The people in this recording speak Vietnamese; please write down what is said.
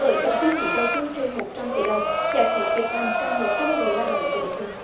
với tổng kinh phí đầu tư trên một trăm tỷ đồng giải quyết việc làm cho một trăm mười lao động của địa phương